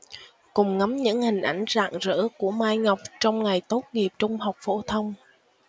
cùng ngắm những hình ảnh rạng rỡ của mai ngọc trong ngày tốt nghiệp trung học phổ thông